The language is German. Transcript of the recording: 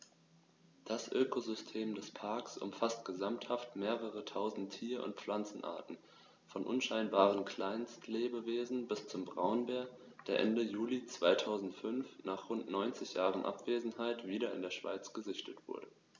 Das Ökosystem des Parks umfasst gesamthaft mehrere tausend Tier- und Pflanzenarten, von unscheinbaren Kleinstlebewesen bis zum Braunbär, der Ende Juli 2005, nach rund 90 Jahren Abwesenheit, wieder in der Schweiz gesichtet wurde.